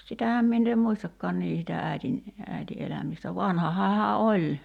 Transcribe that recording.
sitähän minä ei muistakaan niin sitä äidin äiti elämistä vanhahan hän oli